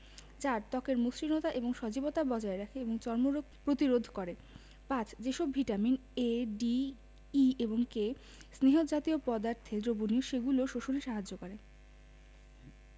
৪. ত্বকের মসৃণতা এবং সজীবতা বজায় রাখে এবং চর্মরোগ প্রতিরোধ করে ৫. যে সব ভিটামিন এ ডি ই এবং কে স্নেহ জাতীয় পদার্থ দ্রবণীয় সেগুলো শোষণে সাহায্য করে